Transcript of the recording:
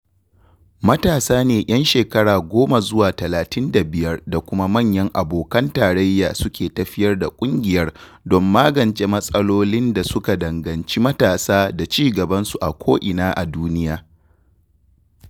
Matasa ne 'yan shekara goma zuwa talatin da biyar da kuma manya abokan tarayya suke tafiyar da ƙungiyar don magance mas'alolin da suka danganci matasa da ci-gabansu a koina a duniya.